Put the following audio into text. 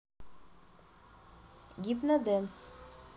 гипнодэнс